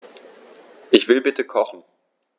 Ich will bitte kochen.